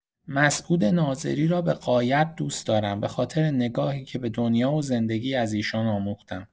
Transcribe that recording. مسعود ناظری را به غایت دوست دارم، به‌خاطر نگاهی که به دنیا و زندگی از ایشان آموخته‌ام.